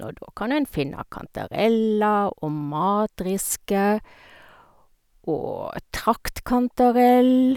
Og da kan en finne kantareller og matriske og traktkantarell.